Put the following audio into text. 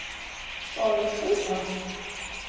֊ Պա էս ո՞վ ա։